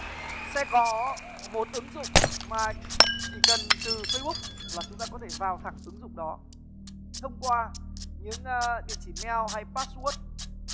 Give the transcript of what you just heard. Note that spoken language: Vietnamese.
sẽ có một ứng dụng mà chỉ cần từ phây búc là chúng ta có thể vào thẳng ứng dụng đó thông qua những địa chỉ meo hay pát guất